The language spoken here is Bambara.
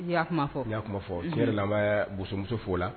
I y'a kuma fɔ i y'a kuma fɔ n yɛrɛ laban bomuso fo la